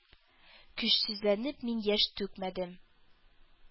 Көчсезләнеп, мин яшь түкмәдем.